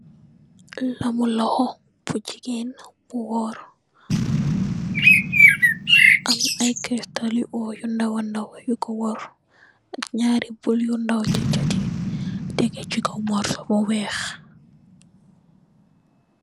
Laamu lokhor bu gigain bu wohrre, am aiiy crystal lu ohrre yu ndaw wa ndaw yukor woorre, ak njaari bull yu ndaw chi chatt yii tehgeh cii kaw morsoh bu wekh.